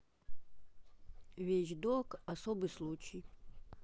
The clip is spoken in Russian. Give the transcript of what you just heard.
вещь док особый случай